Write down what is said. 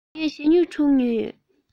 ངས ཞྭ སྨྱུག དྲུག ཉོས ཡོད